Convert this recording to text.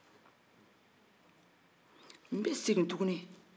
n be segin tuguni